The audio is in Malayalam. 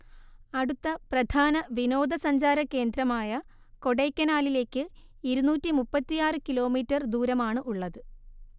അടുത്ത പ്രധാന വിനോദസഞ്ചാരകേന്ദ്രമായ കൊടൈക്കനാലിലേക്ക് ഇരുന്നൂറ്റി മുപ്പത്തിയാറ് കിലോമീറ്റർ ദൂരമാണ് ഉള്ളത്